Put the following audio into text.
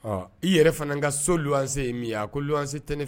I yɛrɛ fana ka so wanse ye min a ko wanse tɛ